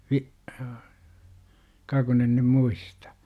- ka kun en nyt muista